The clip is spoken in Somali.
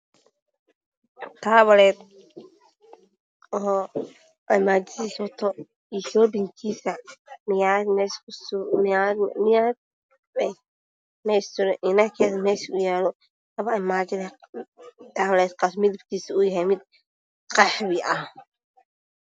Taawled oo aramajadisa wata iyo shoobinkisa mirayada iyo nalkeda mesha u yaalo labo armajo lee qabta taeledkas midibkisa uu yahay mid qaxwi ah